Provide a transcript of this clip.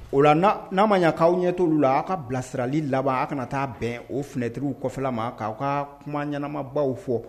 O la n'a ma ɲɛ k'aw ɲɛtɔ la aw ka bilasirali laban a kana taa bɛn o finɛtiriw kɔfɛla ma'aw ka kuma ɲɛnaanamabaw fɔ